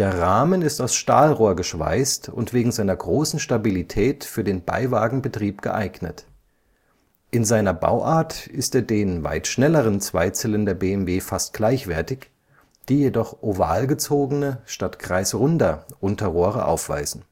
Rahmen ist aus Stahlrohr geschweißt und wegen seiner großen Stabilität für den Beiwagenbetrieb geeignet. In seiner Bauart ist er den weit schnelleren Zweizylinder-BMW fast gleichwertig, die jedoch oval gezogene – statt kreisrunder – Unterrohre aufweisen